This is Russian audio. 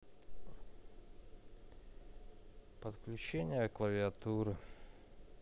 подключение клавиатуры